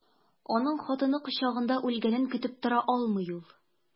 Аның хатыны кочагында үлгәнен көтеп тора алмый ул.